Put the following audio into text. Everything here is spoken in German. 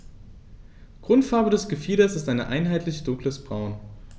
Grundfarbe des Gefieders ist ein einheitliches dunkles Braun.